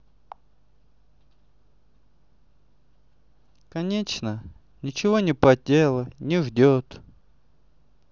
конечно ничего не потела не ждет